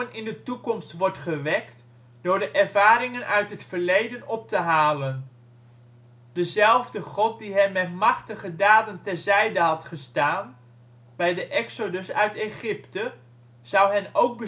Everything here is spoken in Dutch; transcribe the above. in de toekomst wordt gewekt door de ervaringen uit het verleden op te halen. Dezelfde God die hen met machtige daden terzijde had gestaan bij de exodus uit Egypte, zou hen ook beschermen